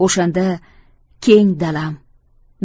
o'shanda keng dalam